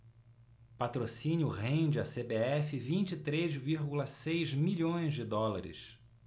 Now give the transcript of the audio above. patrocínio rende à cbf vinte e três vírgula seis milhões de dólares